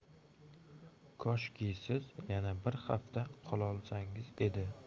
koshki siz yana bir hafta qolaolsangiz edi